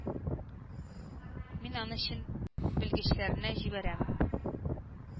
Мин аны чин белгечләренә җибәрәм